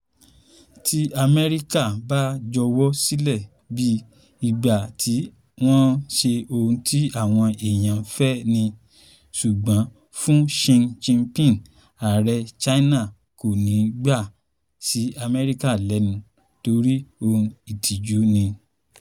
T’Ámẹ́ríkà bá jọwọ́ sílẹ̀ bíi ìgbà tí wọ́n ń ṣe ohun tí àwọn èèyàn fẹ́ ni. Ṣùgbọ́n fún Xi Jinping, Ààrẹ China, kò ní gbà sí Amẹ́ríkà lẹ́nu torí ohun ìtìjú ni.